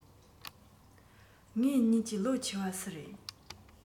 ངེད གཉིས ཀྱི ལོ ཆེ བ སུ རེད